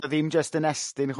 'Dy o ddim jyst yn Estyn.